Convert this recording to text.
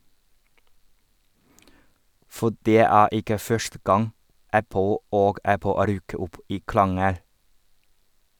For det er ikke første gang Apple og Apple ryker opp i krangel.